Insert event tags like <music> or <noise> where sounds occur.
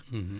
<hesitation> <hesitation>